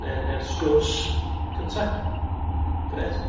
ne' ne'r sgwrs cynta. Grêt.